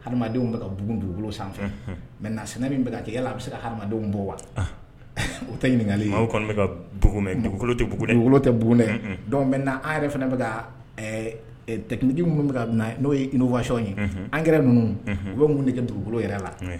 Hadenw bɛka ka bugu dugukolo sanfɛ mɛ na sina min bɛ ka kɛ a bɛ se ka hadenw bɔ wa u tɛ ɲininkaka tɛ tɛ bonɛ dɔw bɛ n' an yɛrɛ fana bɛtigi n'o ye nifasi ye an yɛrɛ ninnu u bɛ mun de kɛ dugukolo yɛrɛ la